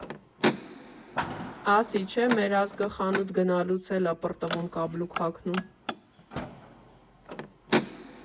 Ասի չէ, մեր ազգը խանութ գնալուց էլ ա պռտվում, կաբլուկ հագնում։